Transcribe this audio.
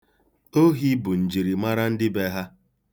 Ohi bụ njirimara ndị be ha.